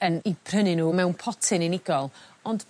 yn 'i prynu n'w mewn potyn unigol. ond